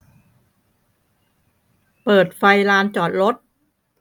เปิดไฟลานจอดรถ